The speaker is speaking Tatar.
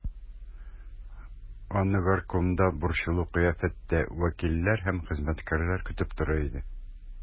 Аны горкомда борчулы кыяфәттә вәкилләр һәм хезмәткәрләр көтеп тора иде.